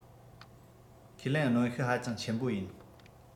ཁས ལེན གནོན ཤུགས ཧ ཅང ཆེན པོ ཡིན